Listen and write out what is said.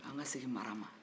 an ka segin mara ma